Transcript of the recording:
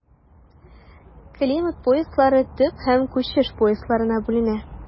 Климат пояслары төп һәм күчеш поясларына бүленә.